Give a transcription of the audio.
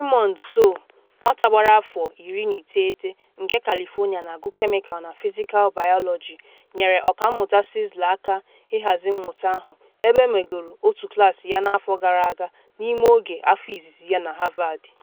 Raymond So, nwata gbara afọ 19 nke California na-agụ kemikal na fisikal baịyọlọji nyere Ọkammụta Czeisler aka ịhazi mmụta ahụ, ebe o megoro otu klaasị ya n’afọ gara aga n’ime oge afọ izizi ya na Harvard.